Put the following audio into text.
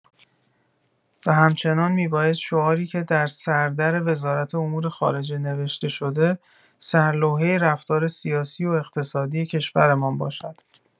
و همچنان می‌بایست شعاری که در سر در وزارت امور خارجه نوشته‌شده سر لوحه رفتار سیاسی و اقتصادی کشورمان باشد.